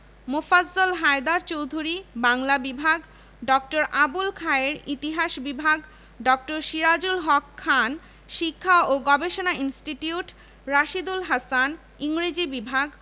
ফলে বিশ্ববিদ্যালয়টি শিক্ষা ও অধিভূক্তিকরণ এফিলিয়েটিং প্রতিষ্ঠানে পরিণত হয় এ গুরুদায়িত্বের ফলে পরবর্তীকালে বিশ্ববিদ্যালয় প্রশাসনে ব্যাপক সম্প্রসারণ ঘটতে থাকে